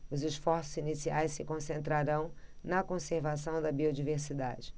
os esforços iniciais se concentrarão na conservação da biodiversidade